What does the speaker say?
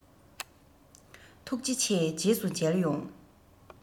ཐུགས རྗེ ཆེ རྗེས སུ མཇལ ཡོང